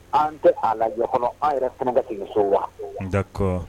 An tɛ a la ɲɔgɔnkɔrɔ an yɛrɛ fɛn kaso wa